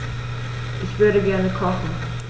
Ich würde gerne kochen.